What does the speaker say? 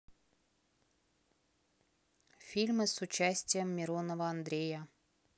фильмы с участием миронова андрея